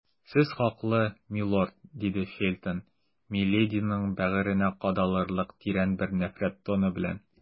Сез хаклы, милорд, - диде Фельтон милединың бәгыренә кадалырлык тирән бер нәфрәт тоны белән.